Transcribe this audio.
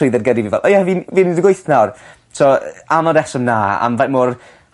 trwydded gyrri fi fel o ie fi'n fi'n un deg wyth nawr. T'wo' yy am y reswm 'na am faint mor